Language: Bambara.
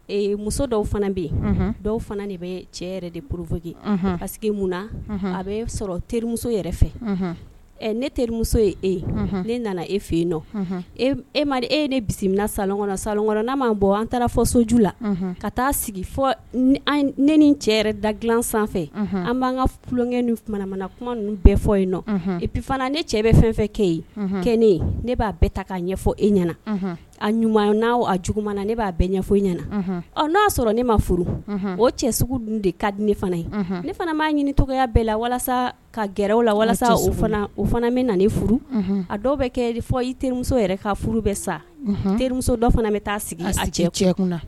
Muso dɔw fana bɛ yen dɔw fana de bɛ cɛ yɛrɛ de mun a bɛ sɔrɔ terimuso yɛrɛ fɛ ne terimuso ye e ne nana e fɛ e nɔ e ma e de bisimila sa sa n'a'an bɔ an taara fɔ soju la ka taa sigi ne ni cɛ da dila sanfɛ an b'an ka tulonlonkɛ kuma bɛɛ fɔ nɔ e fana ne cɛ bɛ fɛn fɛn kɛ kɛ ne ne b'a bɛ ta'a ɲɛfɔ e ɲɛna a ɲuman n' juguman na ne b'a bɛ ɲɛfɔ ɲɛna ɔ n'a y'a sɔrɔ ne ma furu o cɛ sugu dun de ka di ne fana ye ne fana b'a ɲini tɔgɔya bɛɛ la walasa ka gɛrɛw la walasa o fana bɛ na ne furu a dɔw bɛ kɛ fɔ i terimuso yɛrɛ ka furu bɛ sa teri dɔw fana bɛ taa cɛ